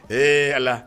Ee ala